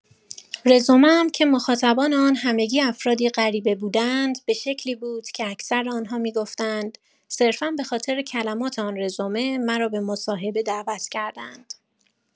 رزومه‌ام که مخاطبان آن همگی افرادی غریبه بودند به شکلی بود که اکثر آن‌ها می‌گفتند صرفا به‌خاطر کلمات آن رزومه، مرا به مصاحبه دعوت کرده‌اند.